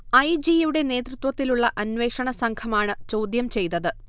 I. G. യുടെ നേതൃത്വത്തിലുള്ള അന്വേഷണ സംഘമാണ് ചോദ്യം ചെയ്തത്